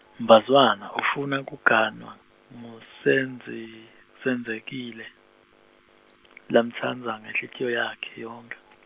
Mbazwana, ufuna kuganwa, nguSenze- -Senzekile, lamtsandza ngenhlitiyo yakhe, yonkhe.